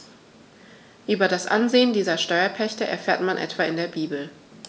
Über das Ansehen dieser Steuerpächter erfährt man etwa in der Bibel.